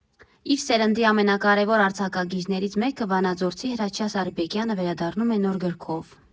Իր սերնդի ամենակարևոր արձակագիրներից մեկը, վանաձորցի Հրաչյա Սարիբեկյանը վերադառնում է նոր գրքով։